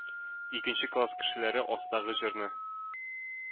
Икенче класс кешеләре астагы җырны